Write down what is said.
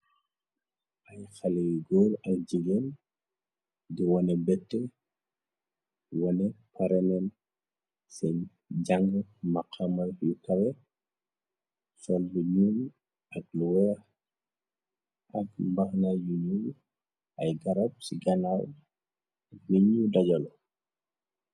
Ay xaleyi góor ay jigeen di wane begtex di wane pareneen seen jànga maxama yu kawex sol lu ñuul ak lu weex ak mbaxna yu nuul ay garab ci ganaaw nyugi dajalu.